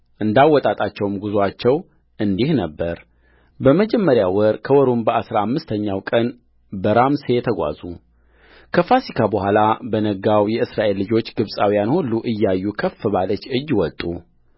አወጣጣቸውን ጻፈ እንደ አወጣጣቸውም ጕዞአቸው እንዲህ ነበረበመጀመሪያው ወር ከወሩም በአሥራ አምስተኛው ቀን ከራምሴ ተጓዙ ከፋሲካ በኋላ በነጋው የእስራኤል ልጆች ግብፃውያን ሁሉ እያዩ ከፍ ባለች እጅ ወጡ